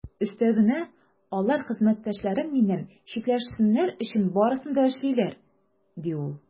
Өстәвенә, алар хезмәттәшләрем миннән читләшсеннәр өчен барысын да эшлиләр, - ди ул.